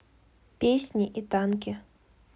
песни и танки